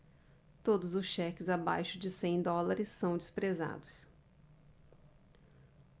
todos os cheques abaixo de cem dólares são desprezados